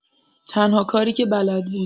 تنها کاری که بلد بود